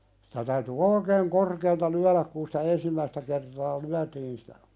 sitä täytyi oikein korkealta lyödä kun sitä ensimmäistä kertaa lyötiin sitä